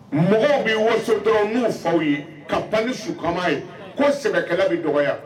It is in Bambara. Mɔgɔw bɛ waso dɔrɔn n'u faw ye ka pan ni suka ye ko sɛkɛla bɛ dɔgɔ